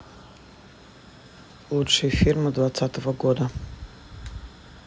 лучшие фильмы двадцатого года